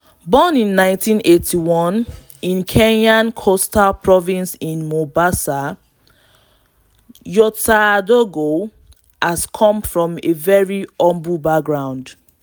Born in 1981 in the Kenyan Coastal province of Mombasa, Nyota Ndogo has come from a very humble background.